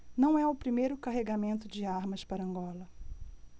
não é o primeiro carregamento de armas para angola